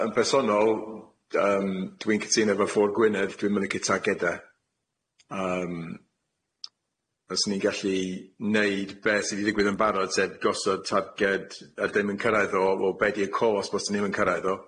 Yy yn bersonol yym dwi'n cytuno efo ffwr' Gwynedd dwi'm yn licio targede yym os ni'n gallu neud beth sydd i ddigwydd yn barod sef gosod targed a ddim yn cyrraedd o wel be' di'r cost os ni'm yn cyrraedd o?